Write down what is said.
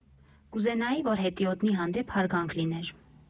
Կուզենայի, որ հետիոտնի հանդեպ հարգանք լիներ։